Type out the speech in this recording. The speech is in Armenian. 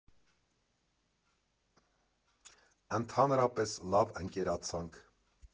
Ընդհանրապես, լավ ընկերացանք։